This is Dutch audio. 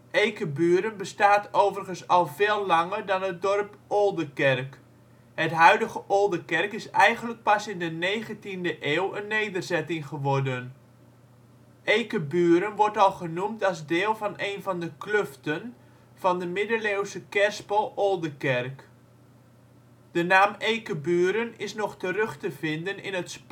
Eekeburen bestaat overigens al veel langer dan het dorp Oldekerk. Het huidige Oldekerk is eigenlijk pas in de negentiende eeuw een nederzetting geworden. Eekeburen wordt al genoemd als deel van een van de kluften van de Middeleeuwse kerspel Oldekerk. De naam Eekeburen is nog terug te vinden in het